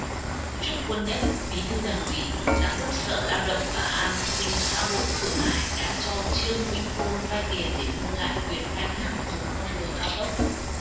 chúc quân nhất bí thư đảng ủy giám đốc sở lao động và an sinh xã hội thượng hải đã cho trương vinh khôn vay tiền để mua lại quyền khai thác một con đường cao tốc